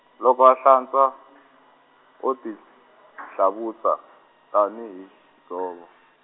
loko a hlantswa , o ti tlhuvutsa, tani hi, dzovo.